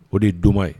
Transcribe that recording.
O de ye donma ye